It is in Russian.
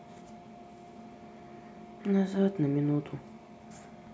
назад на минуту